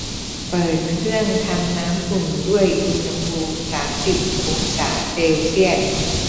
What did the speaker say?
เปิดเครื่องทำน้ำอุ่นด้วยอุณหภูมิสามสิบองศาเซลเซียส